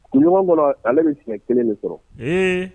Ɲɔgɔn kɔrɔ ale bɛ sɛgɛn kelen de sɔrɔ